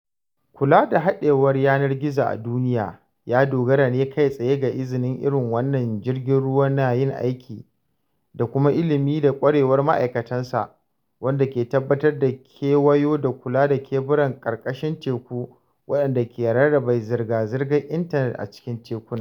Kula da haɗewar yanar gizo a duniya ya dogara ne kai tsaye ga izinin irin wannan jirgin ruwa na yin aiki, da kuma ilimi da ƙwarewar ma’aikatansa, wanda ke tabbatar da kewayo da kula da keburan ƙarƙashin teku waɗanda ke rarraba zirga-zirgar intanet a cikin tekuna.